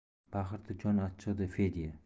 baqirdi jon achchig'ida fedya